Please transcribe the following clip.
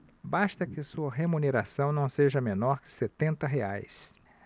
basta que sua remuneração não seja menor que setenta reais